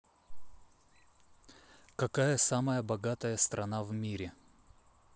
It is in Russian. какая самая богатая страна в мире